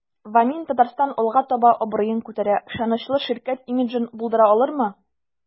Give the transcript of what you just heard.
"вамин-татарстан” алга таба абруен күтәрә, ышанычлы ширкәт имиджын булдыра алырмы?